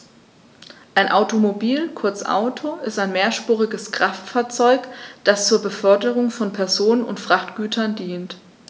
Ein Automobil, kurz Auto, ist ein mehrspuriges Kraftfahrzeug, das zur Beförderung von Personen und Frachtgütern dient.